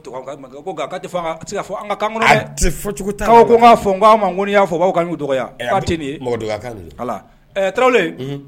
Ka ma y'a fɔ aw ka tarawele